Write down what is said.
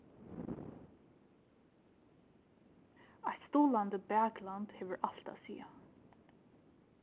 eitt stuðlandi bakland hevur alt at siga